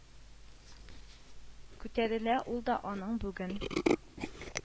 Күтәрелә ул да, аның бүген